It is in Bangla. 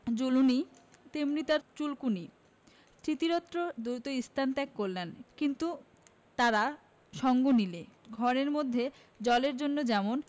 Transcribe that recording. জ্বলুনি তেমনি তার চুলকুনি স্মৃতিরত্ন দ্রুত স্থান ত্যাগ করলেন কিন্তু তারা সঙ্গ নিলে ঘরের মধ্যে জলের জন্য যেমন